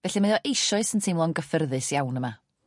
Felly mae o eisoes yn teimlo'n gyffyrddus iawn yma.